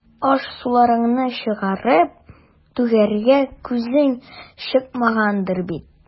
Аш-суларыңны чыгарып түгәргә күзең чыкмагандыр бит.